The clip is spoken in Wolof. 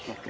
ok